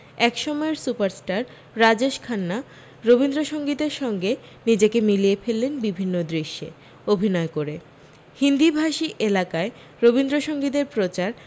এক সময়ের সুপারস্টার রাজেশ খান্না রবীন্দ্রসঙ্গীতের সঙ্গে নিজেকে মিলিয়ে ফেললেন বিভিন্ন দৃশ্যে অভিনয় করে হিন্দিভাষী এলাকায় রবীন্দ্রসঙ্গীতের প্রচার